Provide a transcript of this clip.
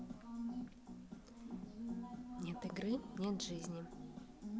нет игры нет жизни